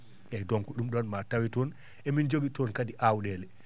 eeyi donc ɗum ɗon ma tawe toon emin jogii toon kadi aawɗeele